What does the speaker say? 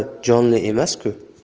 ular jonli emas ku